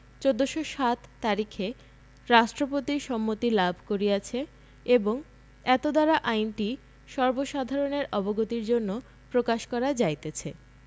১৪০৭ তারিখে রাষ্ট্রপতির সম্মতি লাভ করিয়াছে এবং এতদ্বারা আইনটি সর্বসাধারণের অবগতির জন্য প্রকাশ করা যাইতেছে